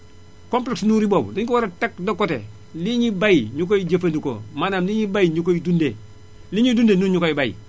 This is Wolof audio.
complexe nourri boobu dañu ko war a teg de côté lii ñu bay ñu koy jëfandikoo maanaam lii ñuy bay ñu koy dundee li ñuy dundee ñun ñu koy bay